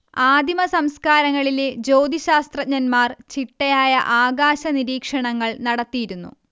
ആദിമസംസ്കാരങ്ങളിലെ ജ്യോതിശ്ശാസ്ത്രജ്ഞന്മാർ ചിട്ടയായ ആകാശനിരീക്ഷണങ്ങൾ നടത്തിയിരുന്നു